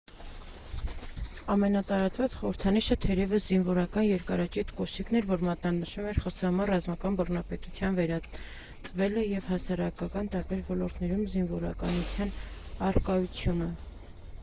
Ամենատարածված խորհրդանիշը թերևս զինվորական երկարաճիտ կոշիկն էր, որ մատնանշում էր ԽՍՀՄ ռազմական բռնապետության վերածվելը և հասարակական տարբեր ոլորտներում զինվորականության առկայությունը։